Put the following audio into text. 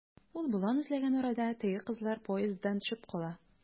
Ул болан эзләгән арада, теге кызлар поезддан төшеп кала.